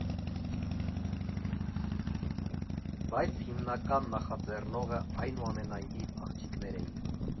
Բայց հիմնական նախաձեռնողը, այնումենայնիվ, աղջիկներն էին։